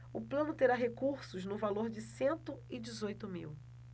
o plano terá recursos no valor de cento e dezoito mil